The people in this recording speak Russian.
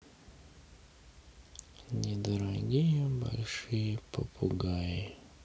недорогие большие попугаи